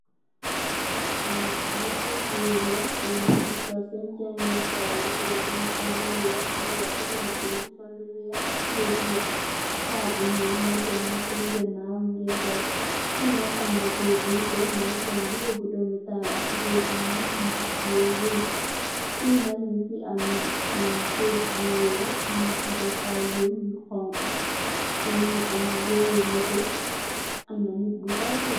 Fee nyare goor la gaye nuge sol sen jangekay yee kena ke muge sol lu weex lu werte kenake muge sol lu weex ak tubaye bu werte sagg bu nuul motou mug sen ganaw nuge daw fee nak amna goor buye doh muge sol muba bu dome tahal ak tubaye bu nuul muge teye weah fee nak nugfe am gete bu weex nugfe def aye weah yu xonxo fee muge am were motou amna neet bufaye feng.